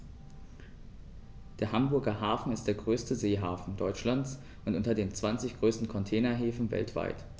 Der Hamburger Hafen ist der größte Seehafen Deutschlands und unter den zwanzig größten Containerhäfen weltweit.